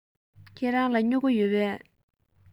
ཁྱེད རང ལ སྨྱུ གུ ཡོད པས